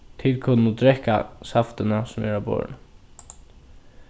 tit kunnu drekka saftina sum er á borðinum